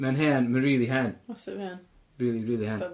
Mae'n hen, ma' rili hen. Massive hen. Rili rili hen.